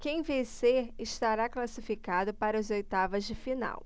quem vencer estará classificado para as oitavas de final